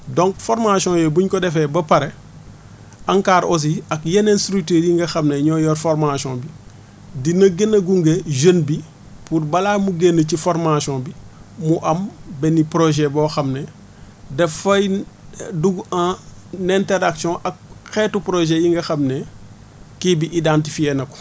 donc formations yooyu bu ñu ko defee ba pare ANCAR aussi ak yeneen structures yi nga xam ne ñoo yor formation bi dina gën a gunge jeune bi pour balaa mu génn ci formation bi mu am benn projet boo xam ne dafay dugg en interaction ak xeetu projet yi nga xam ne kii bi identifier na ko